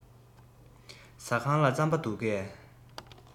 ཟ ཁང ལ རྩམ པ འདུག གས